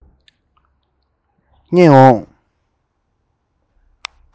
རྙེད འོང